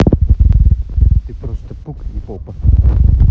ты просто пук и попа